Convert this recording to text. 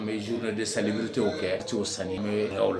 An bɛ zuru de sabte kɛ san la